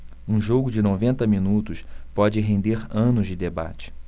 um jogo de noventa minutos pode render anos de debate